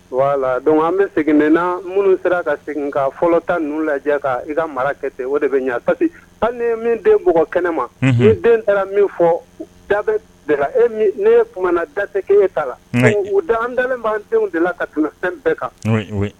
Wala don an bɛ segin minnu sera ka segin ka fɔlɔ tan n' lajɛ k i ka mara kɛ ten o de bɛ ɲɛ hali ni min den mɔgɔ kɛnɛ ne ma den taara min fɔ da ne ye tumana na datɛ k ee t taa la u da an dalen b'an denw de la ka fɛn bɛɛ kan